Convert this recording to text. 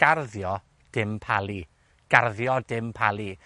garddi dim palu, garddio dim palu.